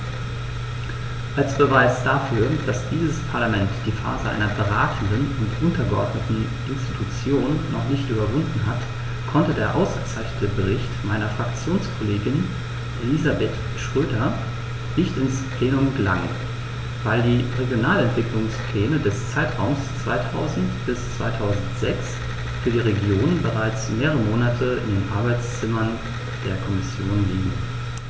Als Beweis dafür, dass dieses Parlament die Phase einer beratenden und untergeordneten Institution noch nicht überwunden hat, konnte der ausgezeichnete Bericht meiner Fraktionskollegin Elisabeth Schroedter nicht ins Plenum gelangen, weil die Regionalentwicklungspläne des Zeitraums 2000-2006 für die Regionen bereits mehrere Monate in den Arbeitszimmern der Kommission liegen.